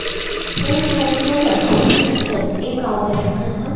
thứ hai hướng dẫn học sinh xác định yêu cầu về mặt hình thức